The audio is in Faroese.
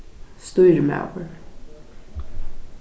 stýrimaður